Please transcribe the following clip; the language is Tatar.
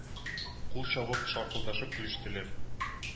Кул чабып, шаркылдашып көлештеләр.